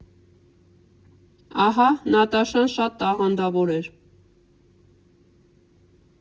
֊ ահա, Նատաշան, շատ տաղանդավոր էր։